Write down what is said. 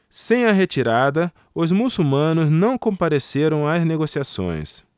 sem a retirada os muçulmanos não compareceram às negociações